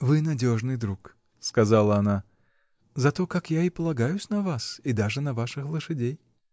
— Вы надежный друг, — сказала она, — зато как я и полагаюсь на вас и даже на ваших лошадей!.